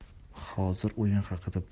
hozir o'yin haqida